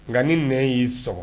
Nka, ni nɛɛ y'ii sɔgɔ